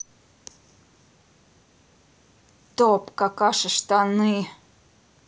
топ какаши штаны